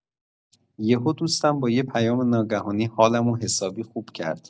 یهو دوستم با یه پیام ناگهانی حالمو حسابی خوب کرد.